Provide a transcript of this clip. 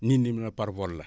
ñii ni ma par vol la